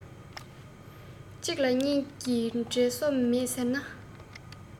གཅིག ལ གཉིས ཀྱི འབྲེལ སོ མེད ཟེར ན